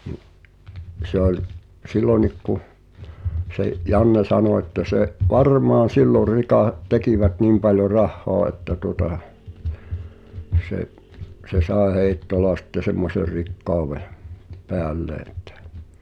niin se oli silloinkin kun se Janne sanoi että se varmaan silloin - tekivät niin paljon rahaa että tuota se se sai Heittola sitten semmoisen rikkauden päälleen että